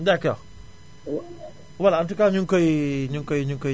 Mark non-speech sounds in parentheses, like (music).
d' accord (noise) voilà en tout cas ñu ngi koy ñu ngi koy